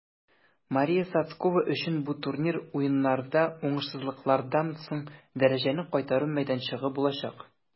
Мария Сотскова өчен бу турнир Уеннарда уңышсызлыклардан соң дәрәҗәне кайтару мәйданчыгы булачак.